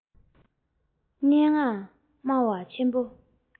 སྙན ངག སྨྲ བ ཆེན པོ